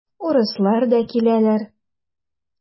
Урыслар да киләләр.